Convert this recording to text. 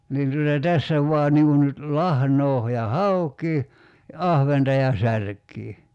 niin tuota tässä vain niin kuin nyt lahnaa ja haukea ja ahventa ja särkeä